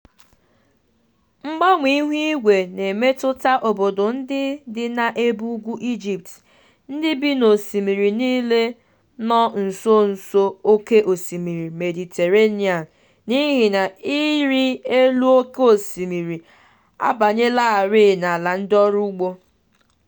Mgbanwe ihuigwe na-emetụta obodo ndị dị n'ebe ugwu Egypt, ndị bi n'osimiri Nile na nso nso oke osimiri Mediterenian n'ihina ịrị elu oke osimiri abanyelarịị n'ala ndị ọrụugbo.